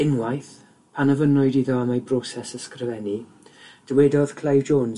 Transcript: Unwaith, pan ofynnwyd iddo am ei broses ysgrifennu, dywedodd Clive Jones